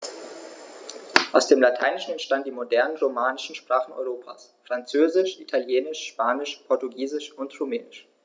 Aus dem Lateinischen entstanden die modernen „romanischen“ Sprachen Europas: Französisch, Italienisch, Spanisch, Portugiesisch und Rumänisch.